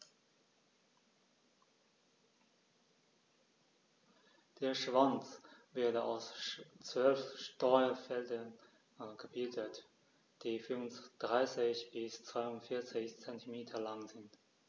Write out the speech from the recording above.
Der Schwanz wird aus 12 Steuerfedern gebildet, die 34 bis 42 cm lang sind.